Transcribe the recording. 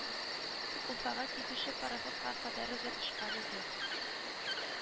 Уфага китүче пароходка кадәр озатышкан идек